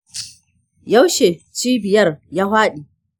yaushe cibiyar ya fadi?